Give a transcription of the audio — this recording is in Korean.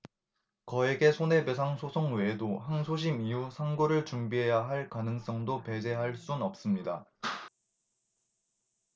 거액의 손해배상 소송 외에도 항소심 이후 상고를 준비해야 할 가능성도 배제할 순 없습니다